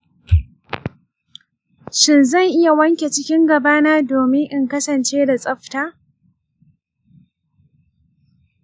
shin zan iya wanke cikin gabana domin in kasance da tsafta?